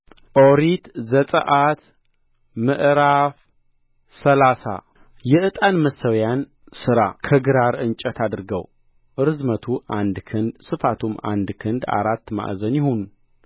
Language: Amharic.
ኦሪት ዘጽአት ምዕራፍ ሰላሳ የዕጣን መሠዊያውን ሥራ ከግራር እንጨት አድርገው ርዝመቱ አንድ ክንድ ስፋቱም አንድ ክንድ አራት ማዕዘን ይሁን